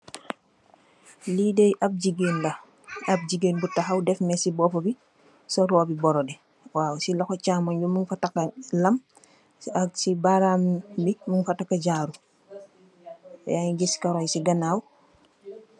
Li dey ap jigen la, jigen bu tahaw deff mess si bopa bi, sol robi borodeh. Si loho chamong bi mung fa taka lam, si baram bi mung fa taka jaro, ya ngey giss karo yi si ganaw.